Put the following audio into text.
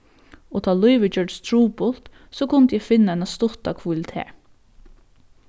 og tá lívið gjørdist trupult so kundi eg finna eina stutta hvíld har